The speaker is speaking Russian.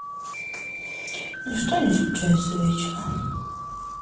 ничто не случается вечно